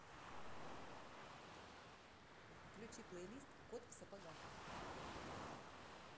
включи плейлист кот в сапогах